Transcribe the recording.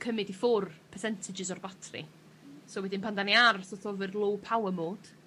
cymyd i ffwr' percentages o'r batri. So wedyn pan 'dan ni ar so't of yr low power mode